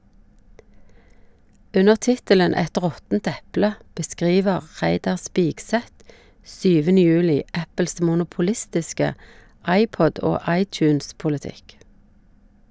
Under tittelen "Et råttent eple" beskriver Reidar Spigseth 7. juli Apples monopolistiske iPod- og iTunes-politikk.